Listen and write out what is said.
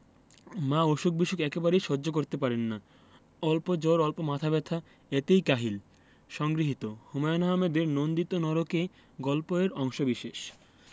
মা অসুখ বিসুখ একেবারেই সহ্য করতে পারেন না অল্প জ্বর অল্প মাথা ব্যাথা এতেই কাহিল সংগৃহীত হুমায়ুন আহমেদের নন্দিত নরকে গল্প এর অংশবিশেষ